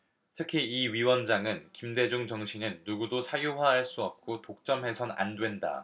특히 이 위원장은 김대중 정신은 누구도 사유화 할 수 없고 독점해선 안 된다